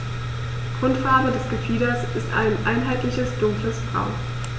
Grundfarbe des Gefieders ist ein einheitliches dunkles Braun.